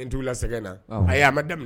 N t' sɛgɛn na a y' a ma daminɛ